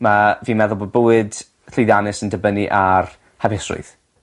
ma' fi'n meddwl bo' bywyd llwyddiannus yn dibynnu ar hapusrwydd.